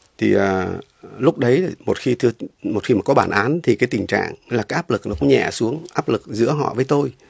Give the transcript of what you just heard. thì à lúc đấy một khi thưa một khi có bản án thì cái tình trạng là áp lực nhẹ xuống áp lực giữa họ với tôi